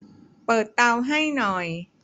เปิดเตาให้หน่อย